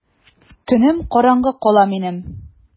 Көнем караңгы кала минем!